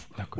d' accord